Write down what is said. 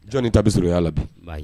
Jɔnni ta bɛ s sɔrɔya la bi